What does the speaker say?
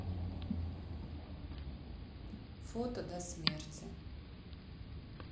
фото до смерти